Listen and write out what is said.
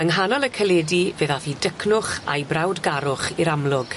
Yng nghanol y caledu fe ddath 'u dycnwch a'i brawdgarwch i'r amlwg.